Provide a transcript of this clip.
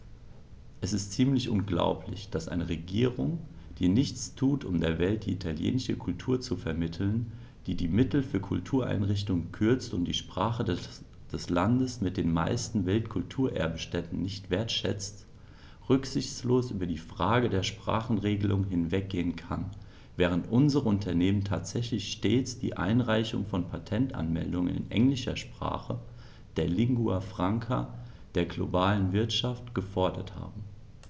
Es ist ziemlich unglaublich, dass eine Regierung, die nichts tut, um der Welt die italienische Kultur zu vermitteln, die die Mittel für Kultureinrichtungen kürzt und die Sprache des Landes mit den meisten Weltkulturerbe-Stätten nicht wertschätzt, rücksichtslos über die Frage der Sprachenregelung hinweggehen kann, während unsere Unternehmen tatsächlich stets die Einreichung von Patentanmeldungen in englischer Sprache, der Lingua Franca der globalen Wirtschaft, gefordert haben.